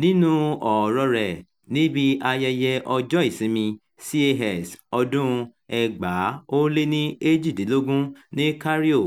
Nínú ọ̀rọ̀-ọ rẹ̀ níbi ayẹyẹ Ọjọ́ Ìsinmi CAX 2018 ní Cario,